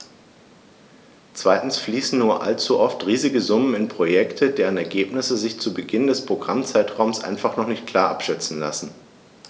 Zweitens fließen nur allzu oft riesige Summen in Projekte, deren Ergebnisse sich zu Beginn des Programmzeitraums einfach noch nicht klar abschätzen lassen.